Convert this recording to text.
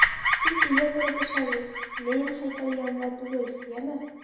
Тик өйгә кереп эчәбез, Ленин һәйкәле янында түгел, яме!